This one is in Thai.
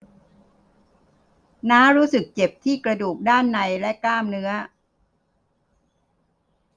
น้ารู้สึกเจ็บที่กระดูกด้านในและกล้ามเนื้อ